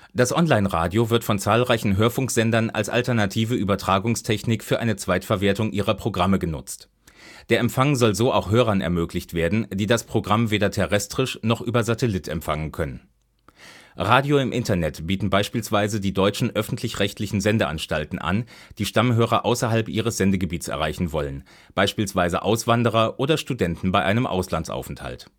Das Onlineradio wird von zahlreichen Hörfunksendern als alternative Übertragungstechnik für eine Zweitverwertung ihrer Programme genutzt. Der Empfang soll so auch Hörern ermöglicht werden, die das Programm weder terrestrisch noch über Satellit empfangen können. Radio im Internet bieten beispielsweise die deutschen öffentlich-rechtlichen Sendeanstalten an, die Stammhörer außerhalb ihres Sendegebiets erreichen wollen, beispielsweise Auswanderer oder Studenten bei einem Auslandsaufenthalt